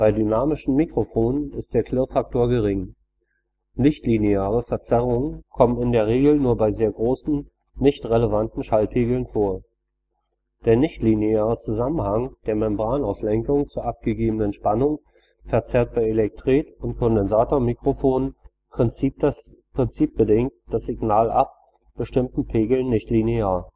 dynamischen Mikrofonen ist der Klirrfaktor gering, nichtlineare Verzerrungen kommen in der Regel nur bei sehr großen, nicht relevanten Schallpegeln vor. Der nichtlineare Zusammenhang der Membranauslenkung zur abgegebenen Spannung verzerrt bei Elektret - und Kondensatormikrofonen prinzipbedingt das Signal ab bestimmten Pegeln nichtlinear